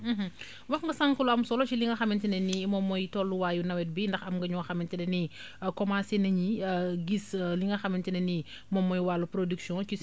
wax nga sànq lu am solo si li nga xamante ne ni moom mooy tolluwaayu nawet bi ndax am nga ñoo xamante ne ni commencer nañ gis li nga xamante ne ni moom mooy wàllu production ci